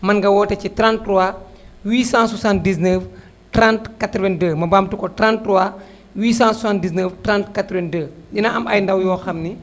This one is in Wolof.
mën nga woote ci 33 879 30 82 ma baamtu ko 33 879 30 82 dina am ay ndaw yoo xam ni